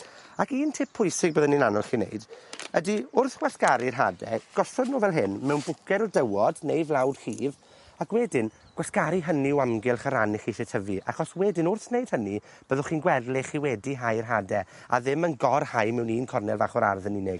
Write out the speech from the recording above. Ac un tip pwysig byddwn ni'n annwyl chi wneud ydi wrth wasgaru'r hade gosod n'w fel hyn mewn bwced o dywod neu flawd llif ac wedyn gwasgaru hynny o amgylch y ran i chi isie tyfu achos wedyn wrth wneud hynny byddwch chi'n gweld lle chi wedi hau'r hade a ddim yn gor-hau mewn un cornel fach o'r ardd yn unig.